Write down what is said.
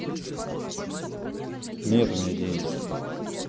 нет у меня денег